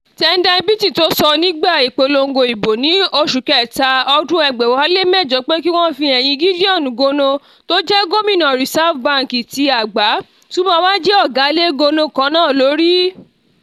Tendai Biti tó ṣọ nígbà ìpolongo ìbò ní March 2008 pé kí wọ́n fi ẹ̀yin Gideon Gono tó jẹ́ Gómìnà Reserve Bank ti àgbá, tún ma wá jẹ ọ̀gá lé Gono kannáà lórí.